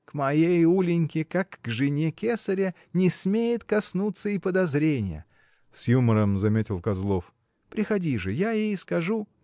— К моей Улиньке, как к жене кесаря, не смеет коснуться и подозрение!. — с юмором заметил Козлов. — Приходи же — я ей скажу.